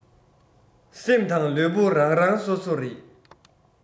སེམས དང ལུས པོ རང རང སོ སོ རེད